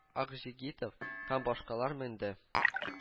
Акжигитов һәм башкалар менде